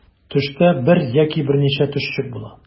Төштә бер яки берничә төшчек була.